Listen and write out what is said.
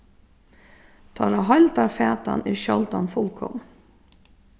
teirra heildarfatan er sjáldan fullkomin